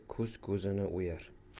ko'z ko'zni o'yar